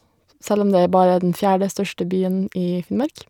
Selv om det er bare den fjerde største byen i Finnmark.